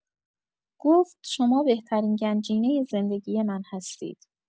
گفت: «شما بهترین گنجینۀ زندگی من هستید.»